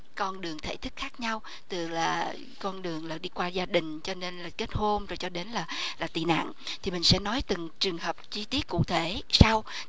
con đường thể thức khác nhau từ con đường đi qua gia đình cho đến là kết hôn cho đến là tị nạn thì mình sẽ nói từng trường hợp chi tiết cụ thể sau